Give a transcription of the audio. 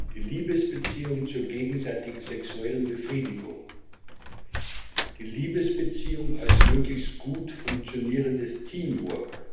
die Liebesbeziehung zur gegenseitigen sexuellen Befriedigung; die Liebesbeziehung als möglichst gut funktionierendes Teamwork